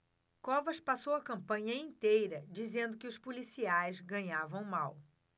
covas passou a campanha inteira dizendo que os policiais ganhavam mal